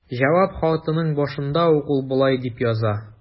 Җавап хатының башында ук ул болай дип яза.